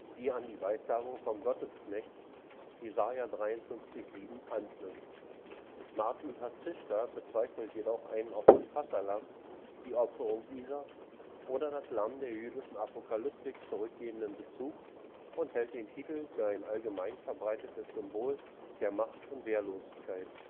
die an die Weissagung vom „ Gottesknecht “Jes 53,7 EU anknüpft. Martin Hastischka bezweifelt jedoch einen auf das Passahlamm, die Opferung Isaaks, oder das Lamm der jüdischen Apokalyptik zurückgehenden Bezug, und hält den Titel für ein allgemein verbreitetes Symbol der Macht - und Wehrlosigkeit